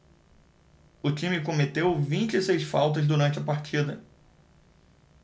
o time cometeu vinte e seis faltas durante a partida